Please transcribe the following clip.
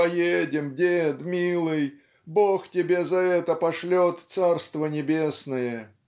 поедем, дед милый, Бог тебе за это пошлет царство небесное".